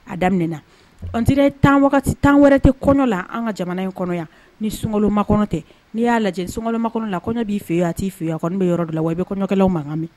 A daminɛɛna n tan tan wɛrɛ tɛ kɔnɔ la an ka jamana in kɔnɔya ni sunkolonloma kɔnɔ tɛ n'i y'a lajɛ sunma kɔnɔ la kɔɲɔ' fɛ a t'i fɛya n bɛ yɔrɔ la wa i bɛ kɔɲɔkɛ ma makan min